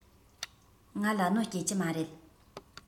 ང ལ གནོད སྐྱེལ གྱི མ རེད